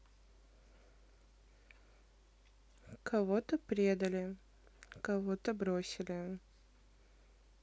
кого то предали кого то бросили